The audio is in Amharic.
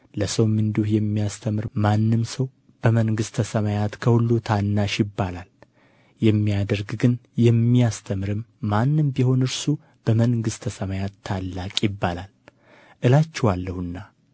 ለሰውም እንዲሁ የሚያስተምር ማንም ሰው በመንግሥተ ሰማያት ከሁሉ ታናሽ ይባላል የሚያደርግ ግን የሚያስተምርም ማንም ቢሆን እርሱ በመንግሥተ ሰማያት ታላቅ ይባላል እላችኋለሁና